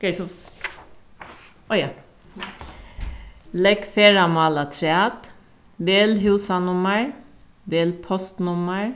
skal eg so áh ja legg ferðamál afturat vel húsanummar vel postnummar